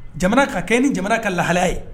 Jamana ka kɛ ni jamana ka lahaya ye